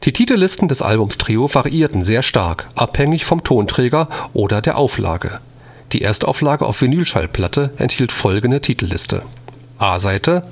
Titellisten des Albums Trio variieren sehr stark, abhängig vom Tonträger oder der Auflage. Die Erstauflage auf Vinyl-Schallplatte enthielt folgende Titelliste: A-Seite